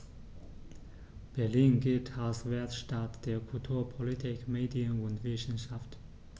Berlin gilt als Weltstadt der Kultur, Politik, Medien und Wissenschaften.